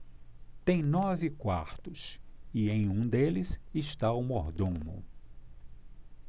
tem nove quartos e em um deles está o mordomo